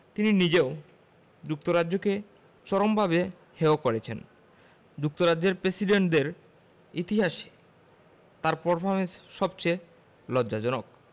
তিনি নিজে ও যুক্তরাষ্ট্রকে চরমভাবে হেয় করেছেন যুক্তরাষ্ট্রের প্রেসিডেন্টদের ইতিহাসে তাঁর পারফরমেন্স সবচেয়ে লজ্জাজনক